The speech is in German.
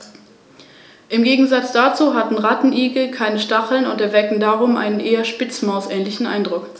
In seiner östlichen Hälfte mischte sich dieser Einfluss mit griechisch-hellenistischen und orientalischen Elementen.